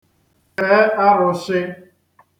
fe arụshị̄